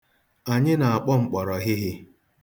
Anyị na-akpọ mkpọrọhịhị